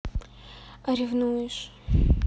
а ревнуешь